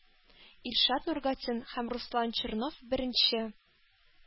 Илшат Нургатин һәм Руслан Чернов – беренче,